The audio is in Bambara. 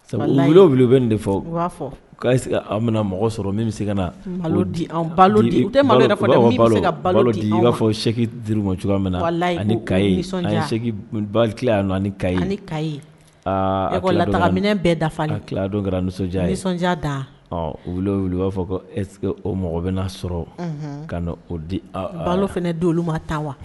U bɛ nin de fɔse mɔgɔ sɔrɔ min bɛ se ka na i'a fɔ duuru cogoya na ka ala minɛn bɛɛ dafa kɛra nisɔn da u b'a fɔ ko ɛs o mɔgɔ bɛ sɔrɔ ka o di balo fana don olu ma ta wa